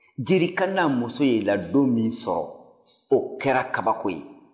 jerika n'a musow ye ladonni min sɔrɔ o kɛra kabako ye